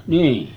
niin